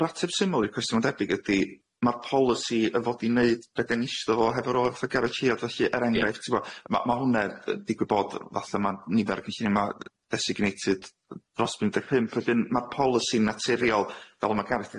Yr ateb syml i'r cwestiwn man debyg ydi ma'r polisi yn fod i neud be' gen ni isio fo hefo'r o'r fatha garell hiad felly er enghraifft t'bo' ma' ma' hwnne yy digwydd bod fatha ma' nifer o gynllunio ma' yy designated dros bum deg pump wedyn ma'r polisi'n naturiol fel ma' Gareth yn